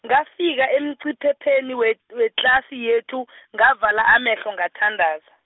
ngafika emciphepheni we- wetlasi yethu , ngavala amehlo ngathandaza.